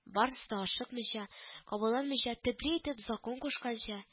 Барысы да ашыкмыйча, кабаланмыйча, төпле итеп, закон кушканча